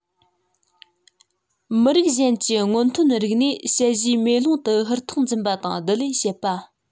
མི རིགས གཞན གྱི སྔོན ཐོན རིག གནས དཔྱད གཞིའི མེ ལོང དུ ཧུར ཐག འཛིན པ དང བསྡུ ལེན བྱེད པ